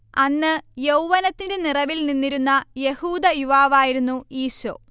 അന്ന് യൗവ്വനത്തിന്റെ നിറവിൽ നിന്നിരുന്ന യഹൂദ യുവാവായിരുന്നു ഈശോ